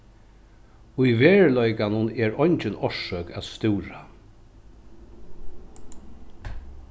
í veruleikanum er eingin orsøk at stúra